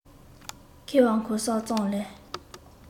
ཁེ བ འཁོར ས ཙམ ལས